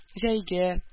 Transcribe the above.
Җәйге